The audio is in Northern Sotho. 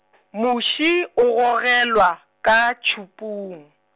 muši o gogelwa, ka tšhupung.